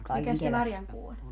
mikäs se marjankuu on